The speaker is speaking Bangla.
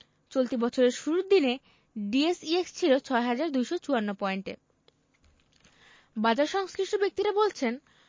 চলতি বছরের শুরুর দিনে ডিএসইএক্স ছিল ৬ হাজার ২৫৪ পয়েন্টে বাজারসংশ্লিষ্ট ব্যক্তিরা বলছেন